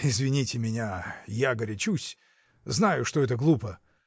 — Извините меня, я горячусь: знаю, что это глупо!